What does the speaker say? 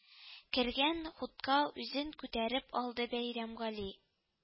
Кергән хутка үзен күтәреп алды Бәйрәмгали